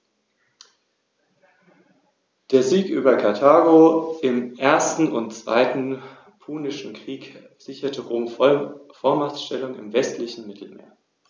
In der römisch-katholischen Kirche ist Latein bis heute offizielle Amtssprache.